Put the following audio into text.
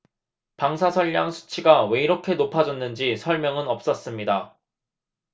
방사선량 수치가 왜 이렇게 높아졌는지 설명은 없었습니다